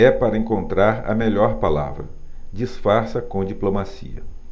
é para encontrar a melhor palavra disfarça com diplomacia